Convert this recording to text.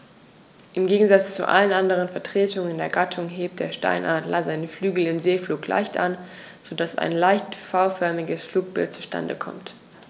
Im Gegensatz zu allen anderen Vertretern der Gattung hebt der Steinadler seine Flügel im Segelflug leicht an, so dass ein leicht V-förmiges Flugbild zustande kommt.